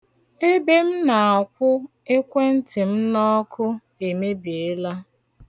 Ebe m na-akwụ ekwenti m n'ọkụ emebiela.